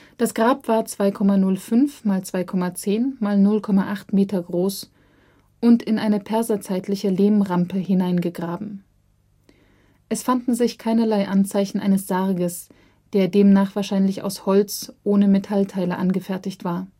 Das Grab war 2,05 x 2,10 x 0,8 Meter groß und in eine perserzeitliche Lehmrampe hineingegraben. Es fanden sich keinerlei Anzeichen eines Sarges, der demnach wahrscheinlich aus Holz, ohne Metallteile, angefertigt war